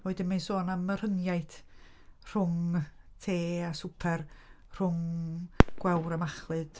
Wedyn mae'n sôn am y rhyngiaid rhwng te a swper, rhwng gwawr a machlud.